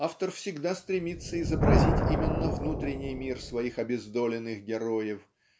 Автор всегда стремится изобразить именно внутренний мир своих обездоленных героев